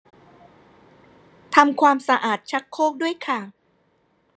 ทำความสะอาดชักโครกด้วยค่ะ